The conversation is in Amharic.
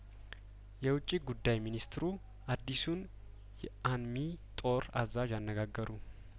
የውጪ ጉዳይ ሚኒስትሩ አዲሱን የአንሚ ጦር አዛዥ አነጋገሩ